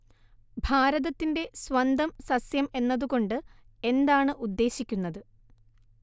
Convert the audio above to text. ഭാരതത്തിന്റെ സ്വന്തം സസ്യം എന്നതു കൊണ്ട് എന്താണ് ഉദ്ദേശിക്കുന്നത്